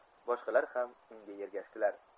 boshqalar ham unga ergashdilar